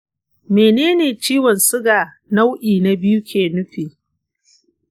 mene ciwon suga nau'i na biyu ke nufi?